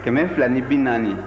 kɛmɛ fila ni bi naani